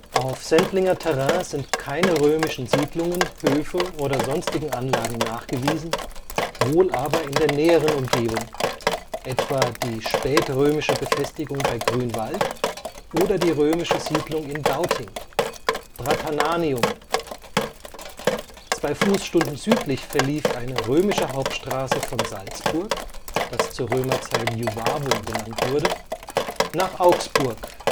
Auf Sendlinger Terrain sind keine römischen Siedlungen, Höfe oder sonstigen Anlagen nachgewiesen, wohl aber in der näheren Umgebung, etwa die spätrömische Befestigung bei Grünwald oder die römische Siedlung in Gauting (Bratananium). Zwei Fußstunden südlich verlief eine römische Hauptstraße von Salzburg (Iuvavum) nach Augsburg